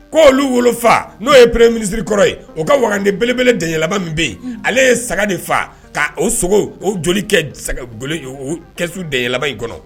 Ko olu wolofa n'o ye peere minisiriri kɔrɔ ye o kaden belebele danɛlɛ min bɛ yen ale ye saga de fa k ka o sogo o joli kɛsu deɛlɛ in kɔnɔ